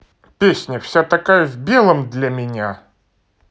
песня вся такая в белом для меня